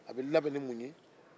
a be labɛn ni mun ye